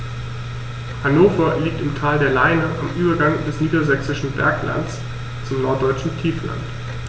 Hannover liegt im Tal der Leine am Übergang des Niedersächsischen Berglands zum Norddeutschen Tiefland.